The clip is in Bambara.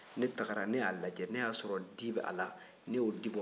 ne taara ne y'a lajɛ ne y'a sɔrɔ di bɛ a la ne y'o di bɔ